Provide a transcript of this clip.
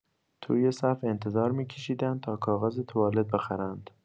توی صف انتظار می‌کشیدند تا کاغذ توالت بخرند.